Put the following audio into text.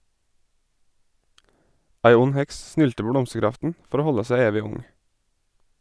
Ei ond heks snylter på blomsterkraften for å holde seg evig ung.